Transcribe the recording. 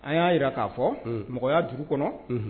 An y'a yira k'a fɔ unh mɔgɔya dur'u kɔnɔ unhun